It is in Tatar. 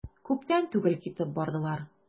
Күптән түгел китеп бардылар.